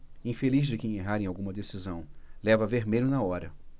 infeliz de quem errar em alguma decisão leva vermelho na hora